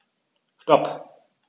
Stop.